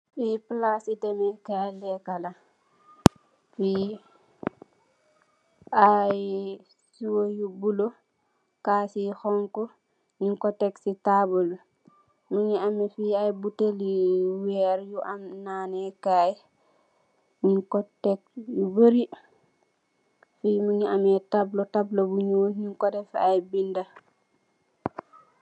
Li palaci demekai leka la fii ayy siwo yu bulo kass yu xonxu nyun ko teg si tabul bi mogi ameh fi ay botale werr yu am nanekai nyun ko teg yu bari fi mogi ameh tablo tablo bo nuul nyun ko dey ay benda.